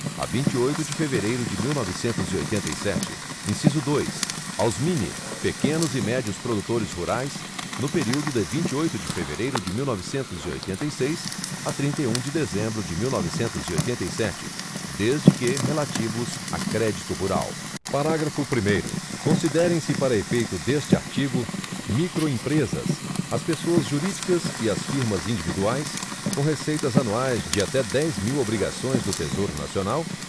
a vinte e oito de fevereiro de mil novecentos e oitenta e sete inciso dois aos mini pequenos e médios produtores rurais no período de vinte e oito de fevereiro de mil novecentos e oitenta e seis a trinta e um de dezembro de mil novecentos e oitenta e sete desde que relativos a crédito rural parágrafo primeiro considerem se para efeito deste artigo microempresas as pessoas jurídicas e as firmas individuais com receitas anuais de até dez mil obrigações do tesouro nacional